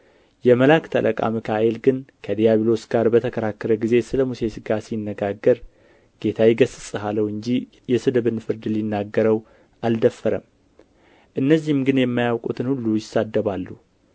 የመላእክት አለቃ ሚካኤል ግን ከዲያብሎስ ጋር በተከራከረ ጊዜ ስለ ሙሴ ሥጋ ሲነጋገር ጌታ ይገሥጽህ አለው እንጂ የስድብን ፍርድ ሊናገረው አልደፈረም እነዚህ ግን የማያውቁትን ሁሉ ይሳደባሉ